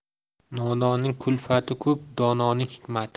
nodonning kulfati ko'p dononing hikmati